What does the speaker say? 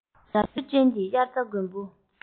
རྭ ཅོ ཅན གྱི དབྱར རྩྭ དགུན འབུ